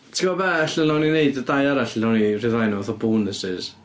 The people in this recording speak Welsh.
Ti gwbod be? Ella wnawn ni wneud y dau arall, a wnawn ni ryddhau nhw fatha bonuses.